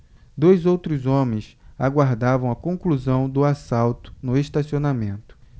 dois outros homens aguardavam a conclusão do assalto no estacionamento